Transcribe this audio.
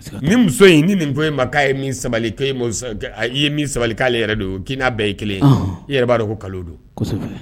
Ni muso in ni nin fɔ e ma ko ye sabali ye mi sabali k'aale yɛrɛ don k'i'a bɛɛ ye kelen i yɛrɛ b'a dɔn ko kalo don